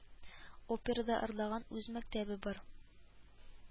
Операда ырлаган, үз мәктәбе бар